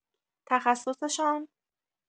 تخصصشان؟